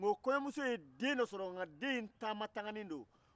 den dɔ tun b'o kɔɲɔmuso bolo min taama tanganin don